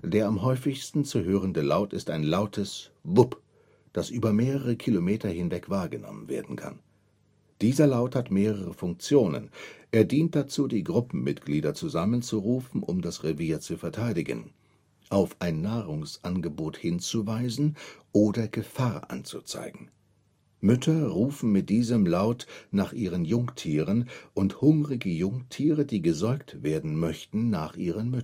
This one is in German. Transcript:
Der am häufigsten zu hörende Laut ist ein lautes wuup, das über mehrere Kilometer hinweg wahrgenommen werden kann. Dieser Laut hat mehrere Funktionen, er dient dazu, die Gruppenmitglieder zusammenzurufen, um das Revier zu verteidigen, auf ein Nahrungsangebot hinzuweisen oder Gefahr anzuzeigen. Mütter rufen mit diesem Laut nach ihren Jungtieren, und hungrige Jungtiere, die gesäugt werden möchten, nach ihren